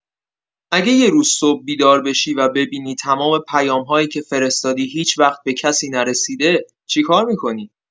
اگه یه روز صبح بیدار بشی و ببینی تمام پیام‌هایی که فرستادی، هیچ‌وقت به کسی نرسیده، چی کار می‌کنی؟